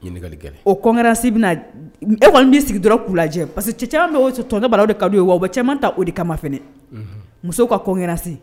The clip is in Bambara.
Ɲininkali o kokɛsi bɛ e kɔni bɛi sigi dɔrɔn' lajɛ parce que cɛ caman bɛ o tɔnɔndaba de ka ye wa wa caman ta o de kama f musow ka kɔnkɛsi